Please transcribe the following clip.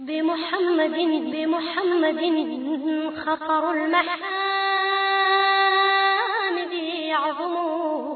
Denmusoninmuminila yo